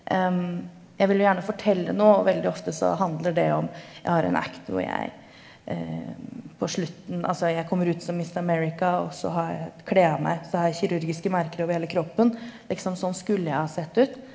jeg vil jo gjerne fortelle noe og veldig ofte så handler det om jeg har en hvor jeg på slutten, altså jeg kommer ut som Miss America og så har jeg kler jeg av meg så har jeg kirurgiske merker over hele kroppen, liksom sånn skulle jeg ha sett ut.